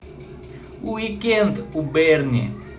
уикенд у берни